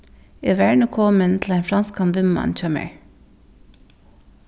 eg var nú komin til ein franskan vinmann hjá mær